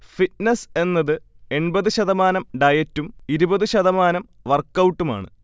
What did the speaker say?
fitness എന്നത് എൺപത് ശതമാനം ഡയറ്റും ഇരുപത് ശതമാനം വർക്കൗട്ടുമാണ്